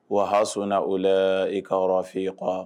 Wa haso o la i kayɔrɔ fɔ ye kuwa